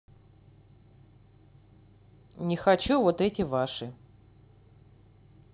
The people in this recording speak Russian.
не хочу вот эти ваши